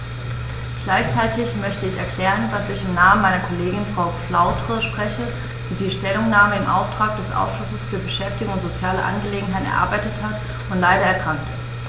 Gleichzeitig möchte ich erklären, dass ich im Namen meiner Kollegin Frau Flautre spreche, die die Stellungnahme im Auftrag des Ausschusses für Beschäftigung und soziale Angelegenheiten erarbeitet hat und leider erkrankt ist.